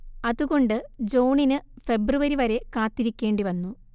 അതുകൊണ്ട് ജോണിന് ഫെബ്രുവരി വരെ കാത്തിരിക്കേണ്ടിവന്നു